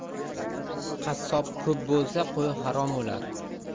qassob ko'p bo'lsa qo'y harom o'lar